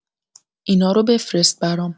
اینا رو بفرست برام.